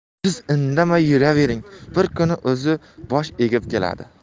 siz indamay yuravering bir kuni o'zi bosh egib keladi